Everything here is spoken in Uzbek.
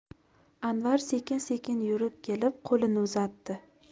anvar sekin sekin yurib kelib qo'lini uzatdi